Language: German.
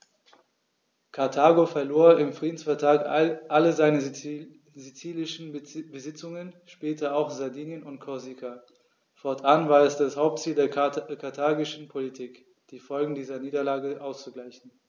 Karthago verlor im Friedensvertrag alle seine sizilischen Besitzungen (später auch Sardinien und Korsika); fortan war es das Hauptziel der karthagischen Politik, die Folgen dieser Niederlage auszugleichen.